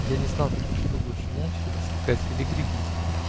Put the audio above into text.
Я не знал только, что лучше: молча ли проскакать или крикнуть?